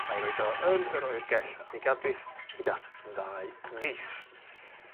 a'i roid o yn yr oergell a mi gadwith hyd at ddau fis.